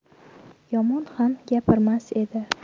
yomon ham gapirmas edi